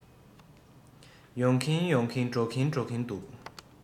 ཡོང གིན ཡོང གིན འགྲོ གིན འགྲོ གིན འདུག